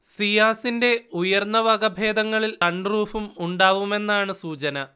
സിയാസിന്റെ ഉയർന്ന വകഭേദങ്ങളിൽ സൺറൂഫും ഉണ്ടാവുമെന്നാണ് സൂചന